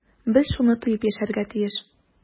Без шуны тоеп яшәргә тиеш.